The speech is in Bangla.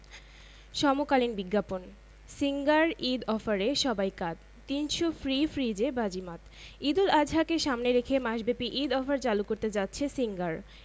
এরপর উত্তর হাওয়া তার সব শক্তি দিয়ে বইতে শুরু করে কিন্তু সে যতই জোড়ে বয় পথিক তার চাদর চেপে ধরে রাখে ব্যর্থ হয়ে হাওয়া তার চেষ্টা বন্ধ করে এর পর সূর্যের পালা